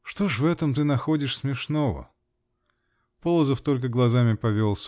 -- Что же в этом ты находишь смешного? Полозов только глазами повел.